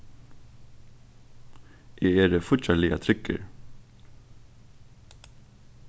eg eri fíggjarliga tryggur